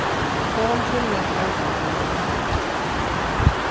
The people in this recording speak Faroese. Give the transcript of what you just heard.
kom tíðliga til arbeiðis í morgin